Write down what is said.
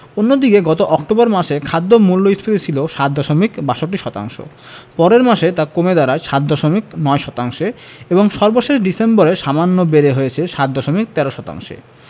অন্যদিকে গত অক্টোবর মাসে খাদ্য মূল্যস্ফীতি ছিল ৭ দশমিক ৬২ শতাংশ পরের মাসে তা কমে দাঁড়ায় ৭ দশমিক ০৯ শতাংশে এবং সর্বশেষ ডিসেম্বরে সামান্য বেড়ে হয়েছে ৭ দশমিক ১৩ শতাংশ